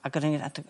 ag o'n i a dy-...